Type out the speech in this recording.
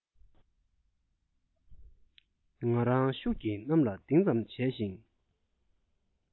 ང རང ཤུགས ཀྱིས གནམ ལ ལྡིང ཙམ བྱས ཤིང